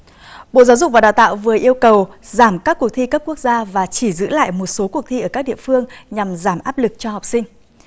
bộ giáo dục và đào tạo vừa yêu cầu giảm các cuộc thi cấp quốc gia và chỉ giữ lại một số cuộc thi ở các địa phương nhằm giảm áp lực cho học sinh